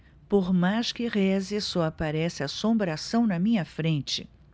por mais que reze só aparece assombração na minha frente